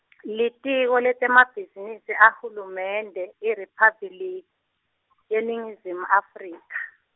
Litiko letemabhizinisi aHulumende IRiphabli- yeNingizimu Afrika.